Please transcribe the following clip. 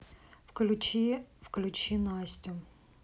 включи включи настю